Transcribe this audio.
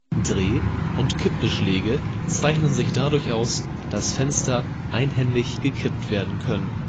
Dreh - und Drehkippbeschläge zeichnen sich dadurch aus, dass Fenster einhändig gekippt werden können